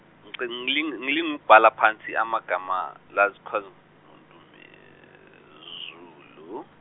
ngicing ngilingu ukubhala phansi amagama lachazu nongome Zulu.